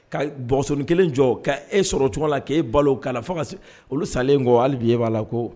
Ka bɔsɔnoni kelen jɔ ka e sɔrɔ cogo la k' e balo' fo ka se olu salen kɔ hali bi e b'a la ko